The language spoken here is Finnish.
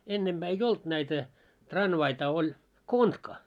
ennempää ei ollut näitä tranvaita oli kontka